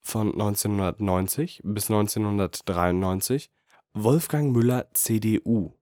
1990 – 1993 Wolfgang Müller (CDU